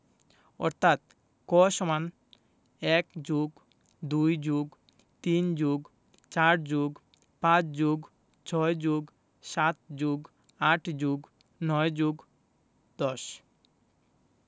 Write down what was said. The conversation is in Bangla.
অর্থাৎ ক = ১+২+৩+৪+৫+৬+৭+৮+৯+১০